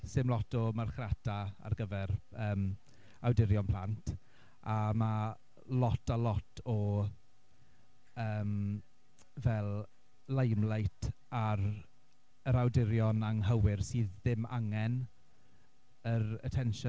'Sdim lot o marchnata ar gyfer yym awdurion plant. A ma' lot a lot o yym fel limelight ar yr awdurion anghywir sydd ddim angen yr attention.